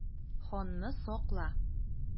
Ханны сакла!